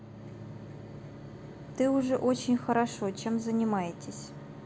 ты уже очень хорошо чем занимаетесь